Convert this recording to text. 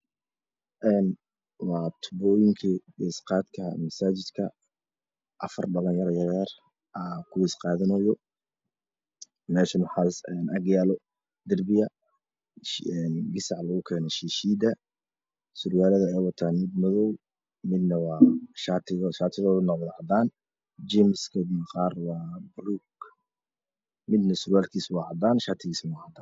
Waa tuubooyinka waysa qaadka masaajidka afar dhalinyaro yar yar aa ku wayso qaadanayo meeshana waxaa agyaalo darbiga gasaca lagu keeno shiishiida surwaalada ay wataan mid madow midna waa shaatigooda waa cadaan jeemiskodna qaar waa buluug midna surwaalkiisa waa cadaan shaatigiisa waa cadaan